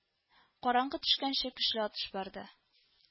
Караңгы төшкәнче көчле атыш барды